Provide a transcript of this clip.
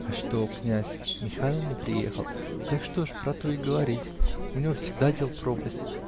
а что князь Михайло не приехал, так что ж про то и говорить. у него всегда дел пропасть